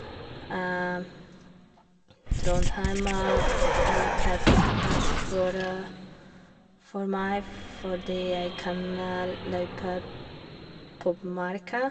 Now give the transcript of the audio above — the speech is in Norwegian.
Trondheim er perfekt plass for for meg, fordi jeg kan l løpe på Bymarka.